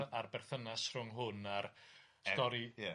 ber- a'r berthynas rhwng hwn a'r stori